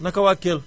naka waa Kelle